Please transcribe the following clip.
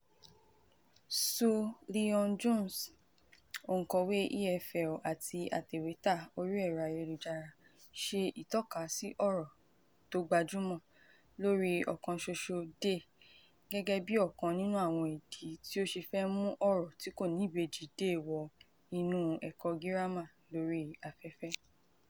Sue Lyon-Jones, oǹkọ̀wé EFL àti atẹ̀wẹ́tà orí ẹ̀rọ ayélujára, ṣe ìtọ́ka sí ọ̀rọ̀ tó gbajúmọ̀ lóri ọ̀rọ̀ kan ṣoṣo ‘they’ gẹ́gẹ́ bi ọkan nínú àwọn ìdí tí ó ṣe fẹ́ mú ọ̀rọ̀ tí kò níbejì ‘they’ wọ inú ẹ̀kọ́ gírámà lórí afẹ́fẹ́.